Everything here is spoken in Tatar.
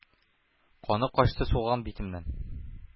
Каны качты сулган битемнең.